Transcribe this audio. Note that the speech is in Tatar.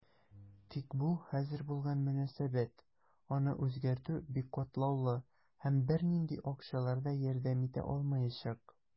Тик бу хәзер булган мөнәсәбәт, аны үзгәртү бик катлаулы, һәм бернинди акчалар да ярдәм итә алмаячак.